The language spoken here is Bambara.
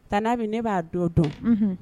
Tani Habi ne b'a dɔw dɔn unhun